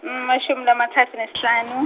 emashumi lamatsatfu nesihlanu.